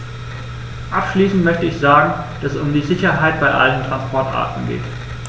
Abschließend möchte ich sagen, dass es um die Sicherheit bei allen Transportarten geht.